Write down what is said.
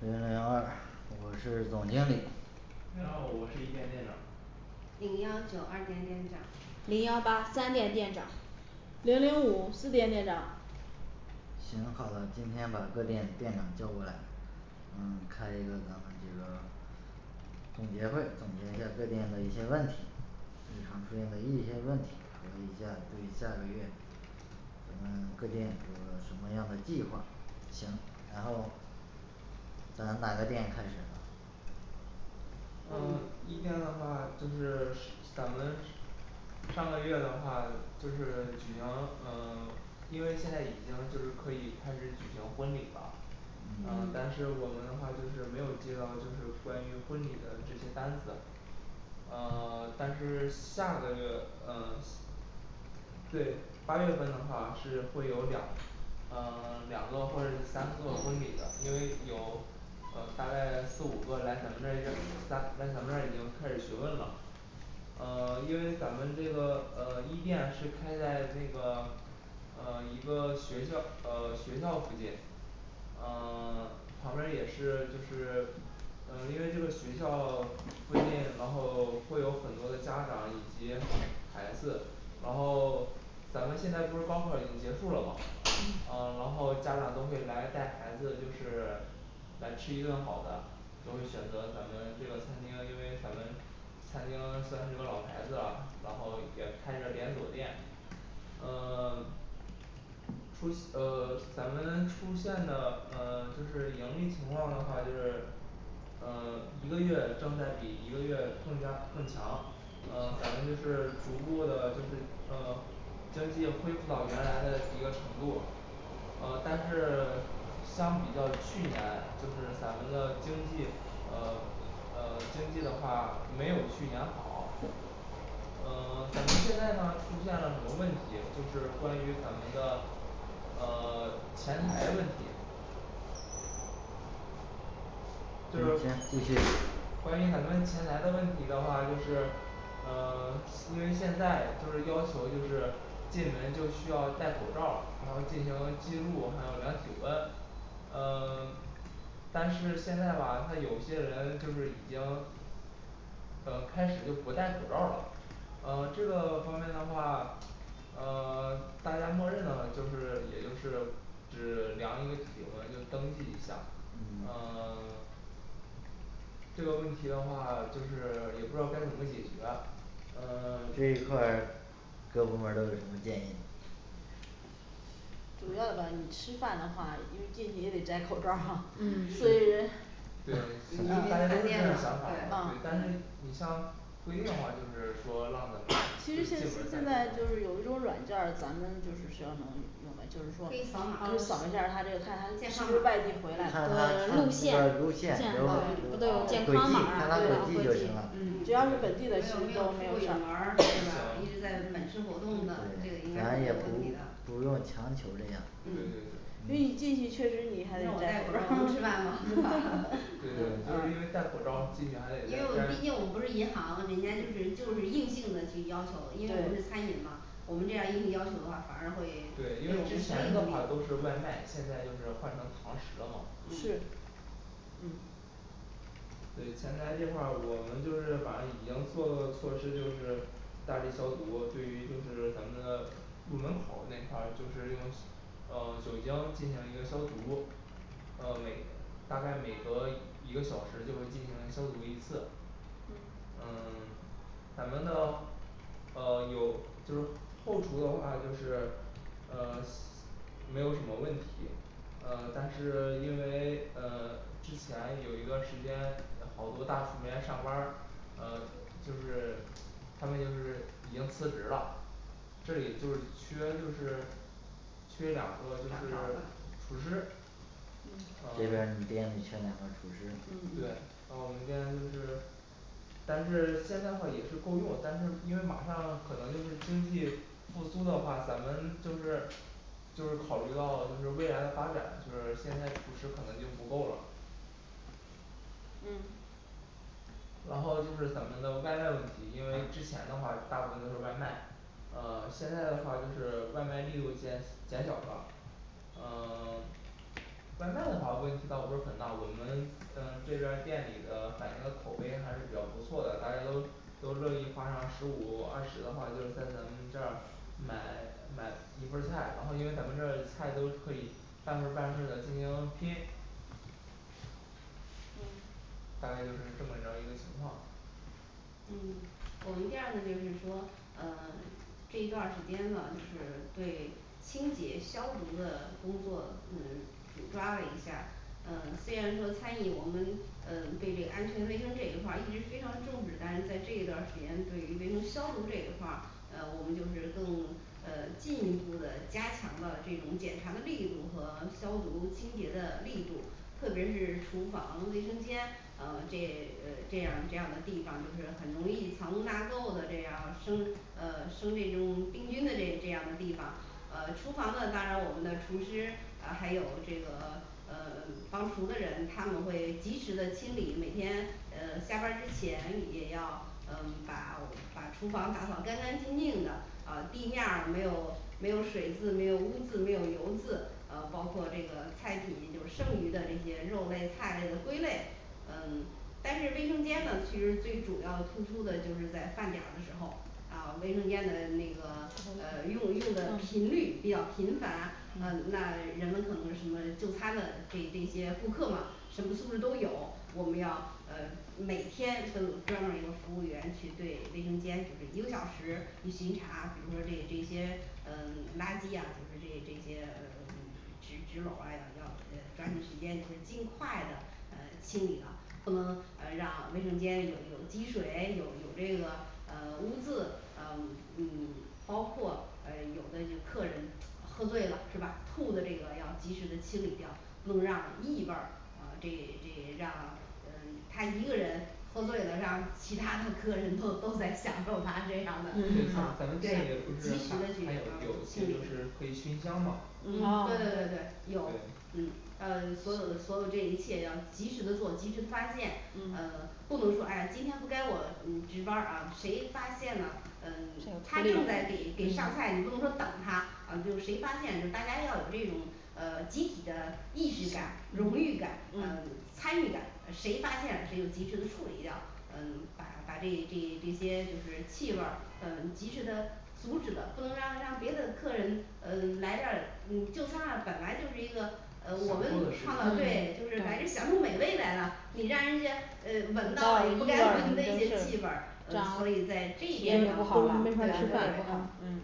零零二我是总经理零幺五我是一店店长零幺九二店店长零幺八三店店长零零五四店店长行，好的，今天把各店店长叫过来，嗯，开一个咱们这个总结会，总结一下各店的一些问题，日常出现的一些问题，总结一下对下个月咱们各店有什么样的计划？行，然后咱哪个店开始？呃嗯，一店嗯的话就是是 咱们上个月的话就是举行呃 因为现在已经就是可以开始举行婚礼了，嗯呃，但是我们的话就是没有接到就是关于婚礼的这些单子，呃 但是下个月呃对八月份的话是会有两呃 两个或者是三个婚礼的，因为有呃大概四五个来咱们这儿约，嗯来咱们这儿已经开始询问了呃 因为咱们这个呃一店是开在那个呃，一个学校呃，学校附近呃 旁边儿也是就是，嗯，因为这个学校附近，然后会有很多的家长以及孩子，然后咱们现在不是高考已经结束了嘛，啊，然后家长都会来带孩子就是来吃一顿好的都会选择咱们这个餐厅，因为咱们餐厅算是个老牌子了，然后也开着连锁店呃 出，呃咱们出现的呃就是盈利情况的话就是，呃 一个月正在比一个月更加更强，嗯，咱们就是逐步的就是呃，经济恢复到原来的一个程度，呃，但是 相比较去年就是咱们的经济呃，呃经济的话没有去年好，嗯 咱们现在呢出现了什么问题，就是关于咱们的呃 前台问题就是，关于咱们前台的问题的话就是，嗯 因为现在就是要求就是进门就需要戴口罩儿，然后进行记录，还有量体温，呃 但是现在吧他有些人就是已经，呃开始就不戴口罩儿了。呃，这个方面的话，嗯 大家默认的就是也就是只量一个体温就登记一下嗯，呃 这个问题的话就是也不知道该怎么解决。嗯 这一块儿各部门儿都有什么建议？主要吧你吃饭的话，因为进去也得摘口罩儿嘛， &嗯&所以人对，因因为为大家饭都是这样店想嘛法对嘛，对啊但是你像规定的话，就是说让咱们& &就其实进就门是现儿在戴口罩就儿，是有一种软件儿，咱们就是需要能用，就是可以扫码，健康说码，嗯就 扫一下他这个看他是不是外地回来看的，他这个路路线线不都有健，轨康迹码看啊，他都轨有迹轨就迹行了，嗯只，要是本没有没有出过地的都没有事远门儿儿& &是吧？一直在本市活动的，这个应该是咱没也有不问题的，嗯不用强求这样对对对所以你进去确实你 &c让我戴口罩能吃饭对吧？ 嗯，让我戴口罩还得摘， 能吃饭对吧？ 嗯，对对对，都是因为带口罩进去还得对因为我再们摘毕，竟我们不是银行，人家就是就是硬性的去要求，因为我们是餐饮嘛我们这样硬性要求的话反而会，对，对因我们为之生意前的话不都利是外卖，现在就是换成堂食了嘛是嗯嗯对前台这块儿我们就是反正已经做了措施就是大力消毒，对于就是咱们的入门口儿那块儿就是用呃酒精进行一个消毒，呃每，大概每隔一个小时就会进行消毒一次。嗯嗯 咱们的，呃有，就是后厨的话就是，呃没有什么问题，呃，但是 因为 呃之前有一段儿时间，好多大厨没来上班儿，呃就是他们就是已经辞职了这里就是缺，就是，缺两个就掌勺是儿的厨师嗯嗯这边儿你店里，缺两个厨师啊对，嗯啊我们店就是但是现在话也是够用，但是因为马上可能就是经济复苏的话，咱们就是就是考虑到就是未来的发展，就是现在厨师可能就不够了嗯然后就是咱们的外卖问题，因为之前的话大部分都是外卖，呃，现在的话就是外卖力度减减少了，呃 外卖的话问题倒不是很大，我们嗯这边儿店里的反应的口碑还是比较不错的，大家都都乐意花上十五二十的话就是在咱们这儿，买 买一份儿菜，然后因为咱们这儿菜都可以半份儿半份儿的进行拼，嗯大概就是这么着一个情况。嗯，我们店儿呢就是说呃， 这一段儿时间呢就是对清洁消毒的工作，嗯主抓了一下儿嗯，虽然说餐饮我们，嗯，对这个安全卫生这一块儿一直非常重视，但是在这一段儿时间对于卫生消毒这一块儿，呃，我们就是更呃进一步的加强了这种检查的力度和消毒清洁的力度，特别是厨房卫生间呃这嗯这样这样的地方就是很容易藏污纳垢的这样生呃生这种病菌的这这样的地方。呃厨房呢当然我们的厨师啊还有这个嗯 帮厨的人，他们会及时的清理每天嗯下班儿之前也要嗯把把厨房打扫干干净净的啊，地面儿没有没有水渍，没有污渍，没有油渍，啊包括这个菜品就剩余的这些肉类菜类的归类。嗯，但是卫生间呢其实最主要突出的就是在饭点儿的时候，啊卫生间的那个呃用用的频嗯率比较频繁，嗯，那人们可能什么就餐的这这些顾客嘛什么素质都有，我们要嗯每天都有专门儿一个服务员去对卫生间就是一个小时一巡查，比如说这这些嗯，垃圾呀，就是这这些呃 纸纸篓啊要要呃抓紧时间就是尽快的嗯清理了，不能，呃，让卫生间里有有积水有有这个呃污渍，呃，嗯包括呃有的就客人喝醉了是吧？吐的这个要及时的清理掉，不能让异味儿啊，这这让，嗯他一个人喝醉了，让其他的客人都都在享受他这样的， 对对啊咱们店也不及是还时的去还有嗯有也就是处理可以熏香嘛嗯对对哦对对，有对，嗯，呃所有所有这一切要及时的做及时的发现，嗯嗯，不能说，哎今天不该我嗯值班儿啊，谁发现了嗯 他正在给给上菜，你不能说等他，啊就谁发现就大家要有这种呃嗯集体的意识感、荣誉感、嗯嗯参与感，呃谁发现谁就及时的处理掉，嗯把把这这这些就是气味儿嗯及时的阻止了，不能让让别的客人嗯来这儿，嗯就餐啊本来就是一个嗯享我受们的事创造，情对，就是来这儿享受美味来了，你让人家嗯不好的闻到不该闻的一些气气味味儿儿， 嗯所以在这一点上我对对们对对，嗯